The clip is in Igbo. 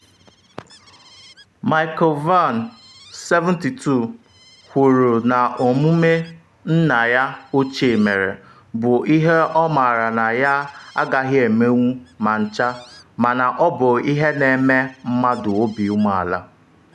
Michael Vann, 72 kwuru na omume nna ya ochie mere “bụ ihe ọ maara na ya agaghị emenwu ma ncha mana ọ bụ ihe na-eme mmadụ obi umeala.”